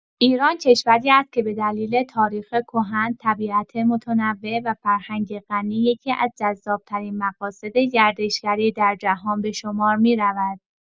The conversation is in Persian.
ایران کشوری است که به دلیل تاریخ کهن، طبیعت متنوع، و فرهنگ غنی، یکی‌از جذاب‌ترین مقاصد گردشگری در جهان به شمار می‌رود.